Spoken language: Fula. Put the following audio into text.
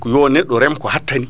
ko yo neɗɗo reem ko hattani